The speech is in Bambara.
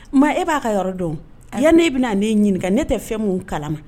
Maa e b'a ka yɔrɔ dɔn o yan'e bɛna ne ɲininka ne tɛ fɛn mun kalama